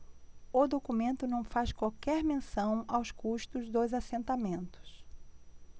o documento não faz qualquer menção aos custos dos assentamentos